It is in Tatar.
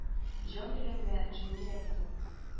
Җан биргәнгә җүн бирә бит ул.